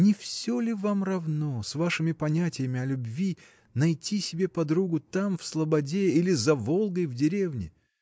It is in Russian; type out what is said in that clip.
Не всё ли вам равно, с вашими понятиями о любви, найти себе подругу там в слободе или за Волгой в деревне?